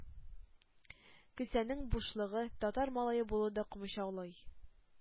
Кесәнең бушлыгы, татар малае булуы да комачаулый.